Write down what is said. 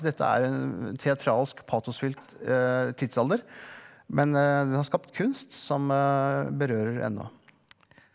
dette er en teatralsk patosfylt tidsalder, men den har skapt kunst som berører ennå.